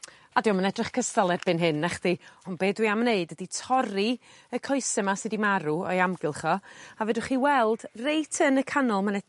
a 'di o'm yn edrych cystal erbyn hyn nachdi? On' be' dwi am neud ydi torri y coese 'ma sy 'di marw o'i amgylcho a fedrwch chi weld reit yn y canol ma' 'ne